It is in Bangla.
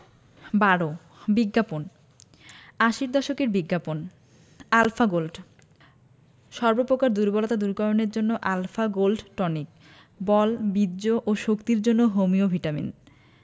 ১২ বিজ্ঞাপন আশির দশকের বিজ্ঞাপন আলফা গোল্ড সর্ব পকার দুর্বলতা দূরীকরণের জন্য আল্ ফা গোল্ড টনিক –বল বীর্য ও শক্তির জন্য হোমিও ভিটামিন